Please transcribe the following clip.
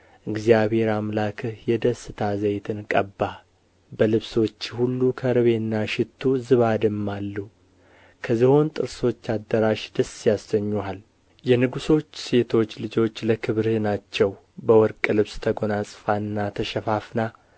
እግዚአብሔር አምላክ የደስታ ዘይትን ቀባህ በልብሶችህ ሁሉ ከርቤና ሽቱ ዝባድም አሉ ከዝሆን ጥርሶች አዳራሽ ደስ ያሰኙሃል የንጉሦች ሴት ልጆች ለክብርህ ናቸው በወርቅ ልብስ ተጐናጽፋና ተሸፋፍና